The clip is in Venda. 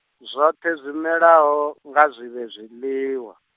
zwoṱhe zwimelaho, nga zwivhe zwiḽiwa.